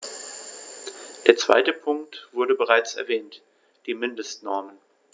Der zweite Punkt wurde bereits erwähnt: die Mindestnormen.